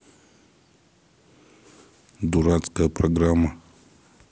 дурацкая программа